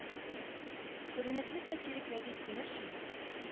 Күренекле сатирик Рәдиф Тимершин